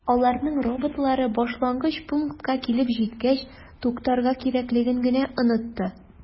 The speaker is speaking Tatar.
Аларның роботлары башлангыч пунктка килеп җиткәч туктарга кирәклеген генә “онытты”.